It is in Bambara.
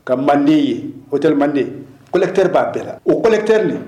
Ka manden ye hôtel Manden collecteur b'a bɛɛ la o collecteur in nin